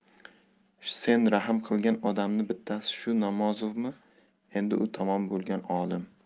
sen rahm qilgan odamni bittasi shu namozovmi endi u tamom bo'lgan olim